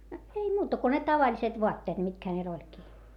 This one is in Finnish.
ei muuta kuin ne tavalliset vaatteet mitkä hänellä olikin